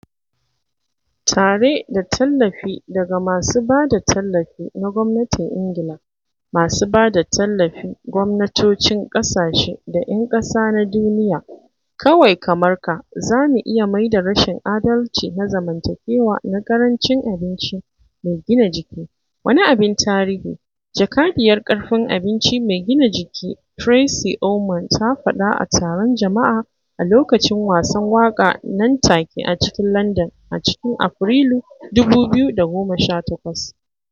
Tare da tallafi daga masu ba da tallafi na gwamnatin Ingila, masu ba da tallafi, gwamnatocin ƙasashe, da 'Yan Ƙasa na Duniya kawai kamar ka, za mu iya maida rashin adalci na zamantakewa na ƙarancin abinci mai gina jiki wani abin tarihi, jakadiyar Ƙarfin Abinci Mai Gina Jiki Tracey Ullman ta faɗa a taron jama'a a lokacin wasan waƙa nan take a cikin Landan a cikin Afirilu 2018.